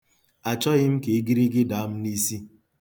Achọghị m ka igirigi daa m n'isi.